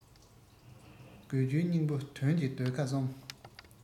དགོས རྒྱུའི སྙིང པོ དོན གྱི རྡོ ཁ གསུམ